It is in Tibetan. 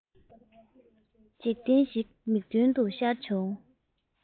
འཇིག རྟེན ཞིག མིག མདུན དུ ཤར བྱུང